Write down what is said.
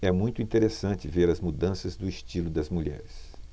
é muito interessante ver as mudanças do estilo das mulheres